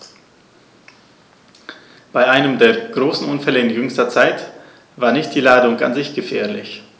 Bei einem der großen Unfälle in jüngster Zeit war nicht die Ladung an sich gefährlich.